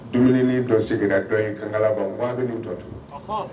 Dumuni dɔ sigira dɔ kan ban ko bɛ tɔ tu